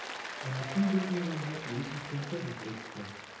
Монысын безнең янга килеп җиткән Фәрит әйтте.